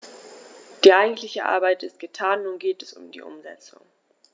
Die eigentliche Arbeit ist getan, nun geht es um die Umsetzung.